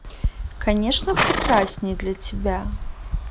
конечно прекрасный для тебя